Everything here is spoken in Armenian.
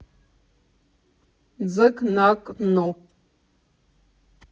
Ձկ նակն օ.